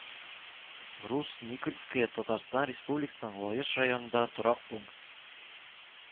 Рус Никольское Татарстан Республикасының Лаеш районындагы торак пункт